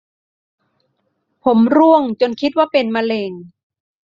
ผมร่วงจนคิดว่าเป็นมะเร็ง